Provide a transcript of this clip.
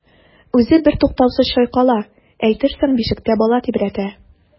Үзе бертуктаусыз чайкала, әйтерсең бишектә бала тибрәтә.